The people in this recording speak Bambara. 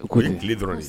U ko nin tile dɔrɔn